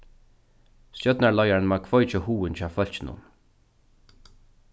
stjórnarleiðarin má kveikja hugin hjá fólkinum